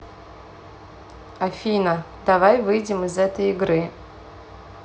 афина давай выйдем из этой игры